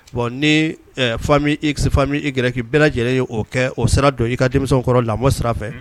Bon ni famille x famille y ni bɛɛ lajɛlen y'o kɛ k'o sira don i ka denmisɛnmiw kɔrɔ lamɔ sira fɛ